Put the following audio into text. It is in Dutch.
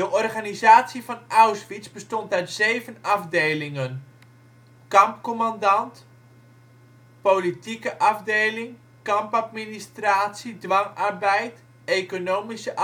organisatie van Auschwitz bestond uit zeven afdelingen (kampcommandant, politieke afdeling, kampadministratie, dwangarbeid, economische